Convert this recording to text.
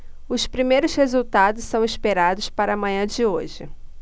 os primeiros resultados são esperados para a manhã de hoje